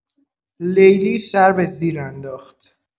لیلی سر به زیر انداخت.